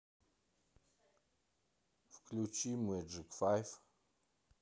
включи меджик файф